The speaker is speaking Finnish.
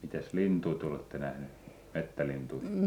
mitäs lintuja te olette nähnyt metsälintuja